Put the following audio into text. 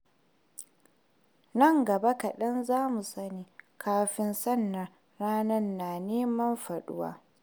Nan gaba kaɗan za mu sani. Kafin sannan, rana na neman faɗuwa.